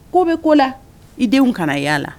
Ko bɛ ko la i denw kana na yala la